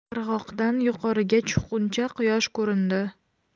qirg'oqdan yuqoriga chiqquncha quyosh ko'rindi